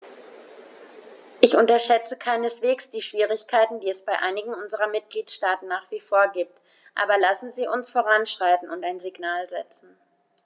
Ich unterschätze keineswegs die Schwierigkeiten, die es bei einigen unserer Mitgliedstaaten nach wie vor gibt, aber lassen Sie uns voranschreiten und ein Signal setzen.